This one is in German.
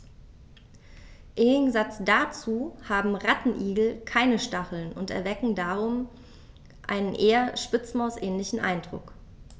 Im Gegensatz dazu haben Rattenigel keine Stacheln und erwecken darum einen eher Spitzmaus-ähnlichen Eindruck.